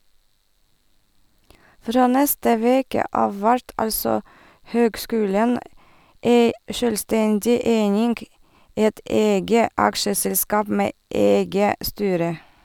Frå neste veke av vert altså høgskulen ei sjølvstendig eining , eit eige aksjeselskap med eige styre.